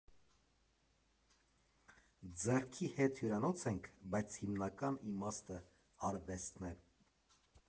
Ձեռքի հետ հյուրանոց ենք, բայց հիմնական իմաստը արվեստն է։